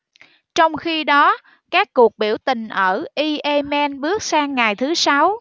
trong khi đó các cuộc biểu tình ở yemen bước sang ngày thứ sáu